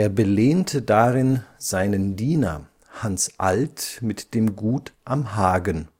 belehnte darin seinen Diener Hanns Alt mit dem Gut am Hagen